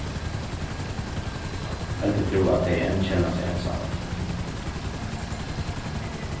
heldur tú at tey enn kenna seg einsamøll